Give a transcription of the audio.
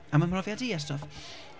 am fy mhrofiad i a stwff.